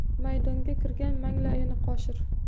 maydonga kirgan manglayini qashir